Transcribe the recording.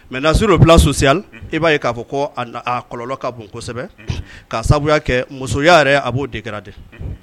Mɛ nasiw dɔ bilasiya i b'a ye k'a kɔlɔnlɔ ka bon kosɛbɛ kaya kɛ musoya yɛrɛ a b'o de kɛra ten